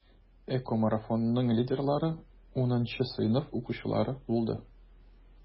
ЭКОмарафонның лидерлары 10 сыйныф укучылары булды.